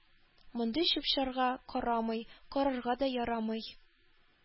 Мондый чүп-чарга карамый карарга да ярамый